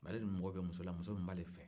mɛ ale dun mako bɛ muso de la min b'ale fɛ